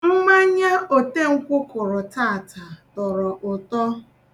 Mmanya otenkwụ kụrụ taata tọrọ utọ.